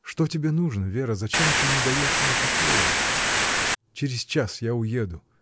— Что тебе нужно, Вера, зачем ты не даешь мне покоя? Через час я уеду!.